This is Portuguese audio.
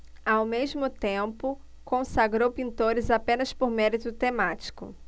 ao mesmo tempo consagrou pintores apenas por mérito temático